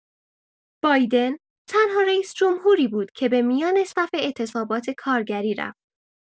بایدن تنها رئیس‌جمهوری بود که به میان صف اعتصابات کارگری رفت.